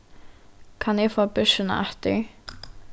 kann eg fáa byrsuna aftur